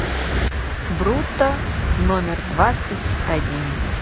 brutto номер двадцать один